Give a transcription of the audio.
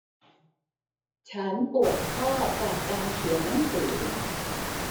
ฉันปวดข้อจากการเขียนหนังสือ